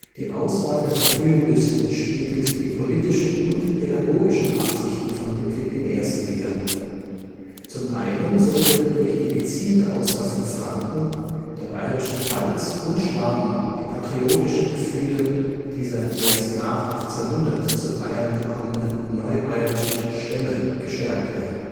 Die Auswahl der frühen Büsten spiegelt die politischen und pädagogischen Absichten von Ludwig I. wider. Zum einen sollte durch die gezielte Auswahl von Franken, der bayerischen Pfalz und Schwaben die patriotischen Gefühle dieser erst nach 1800 zu Bayern gekommen neubayerischen „ Stämme “gestärkt werden